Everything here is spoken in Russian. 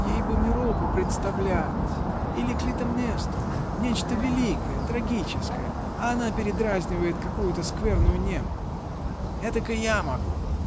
Ей бы Меропу представлять или Клитемнестру -- нечто великое, трагическое, а она передразнивает какую-то скверную немку! Этак и я могу.